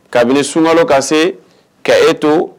Kabini sunka ka se ka e to